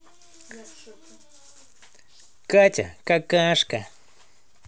катя какашка